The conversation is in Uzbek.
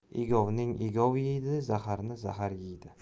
egovni egov yeydi zaharni zahar yeydi